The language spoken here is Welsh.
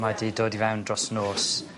...mae 'di dod i fewn dros nos.